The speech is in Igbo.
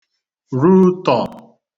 rutọ̀